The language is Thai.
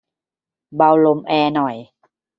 เบาลมแอร์หน่อย